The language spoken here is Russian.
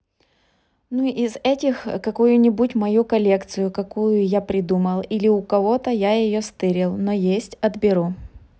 ну из этих какую нибудь мою коллекцию какую я придумала или у кого то я ее стырил но есть отберу